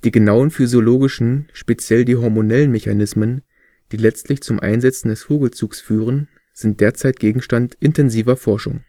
genauen physiologischen, speziell die hormonellen Mechanismen, die letztlich zum Einsetzen des Vogelzugs führen, sind derzeit Gegenstand intensiver Forschung